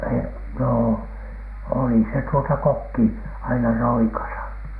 - no oli se tuota kokki aina roikassa